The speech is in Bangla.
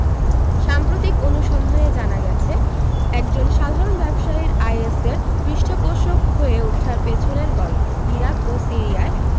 সাম্প্রতিক অনুসন্ধানে জানা গেছে একজন সাধারণ ব্যবসায়ীর আইএসের পৃষ্ঠপোষক হয়ে ওঠার পেছনের গল্প ইরাক ও সিরিয়ায়